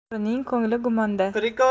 o'g'rining ko'ngli gumonda